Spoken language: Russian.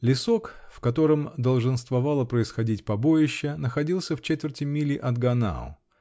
Лесок, в котором долженствовало происходить побоище, находился в четверти мили от Ганау.